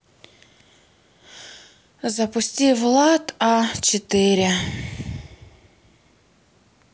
запусти влад а четыре